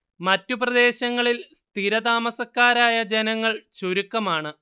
മറ്റു പ്രദേശങ്ങളിൽ സ്ഥിരതാമസക്കാരായ ജനങ്ങൾ ചുരുക്കമാണ്